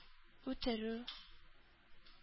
Үтерү